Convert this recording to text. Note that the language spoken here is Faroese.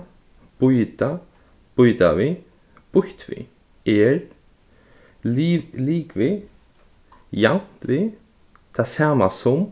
býta býta við býtt við er er ligvið javnt við tað sama sum